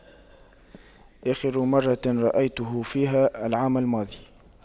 آخر مرة رأيته فيها العام الماضي